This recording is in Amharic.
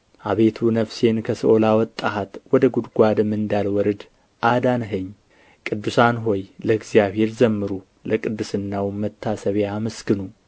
አቤቱ ነፍሴን ከሲኦል አወጣሃት ወደ ጕድጓድም እንዳልወርድ አዳንኸኝ ቅዱሳን ሆይ ለእግዚአብሔር ዘምሩ ለቅድስናውም መታሰቢያ አመስግኑ